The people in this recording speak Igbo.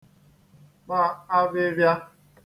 kpa avịvịa